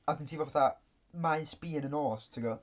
A wedyn ti efo fatha Maes B yn y nos ti'n gwbod?